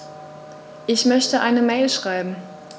Ich möchte eine Mail schreiben.